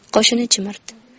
qoshini chimirdi